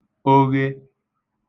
oghe